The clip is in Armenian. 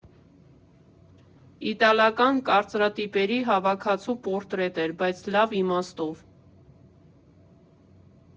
Իտալական կարծրատիպերի հավաքածու պորտրետ էր, բայց լավ իմաստով։